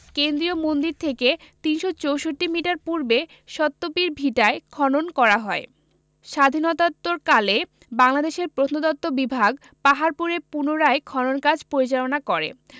কেন্দ্রীয় মন্দির থেকে ৩৬৪ মিটার পূর্বে সত্যপীর ভিটায় খনন করা হয় স্বাধীনতাত্তোরকালে বাংলাদেশের প্রত্নতত্ত্ব বিভাগ পাহাড়পুরে পুনরায় খনন কাজ পরিচালনা করে